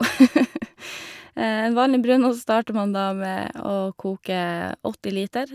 En vanlig brunost starter man da med å koke åtti liter.